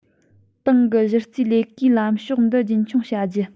ཏང གི གཞི རྩའི ལས ཀའི ལམ ཕྱོགས འདི རྒྱུན འཁྱོངས བྱ རྒྱུ